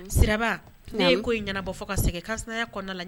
Un, Siraba; naamu; ne ye ko in ɲɛnabɔ fɔ ka segɛ kansinaya kɔnɔna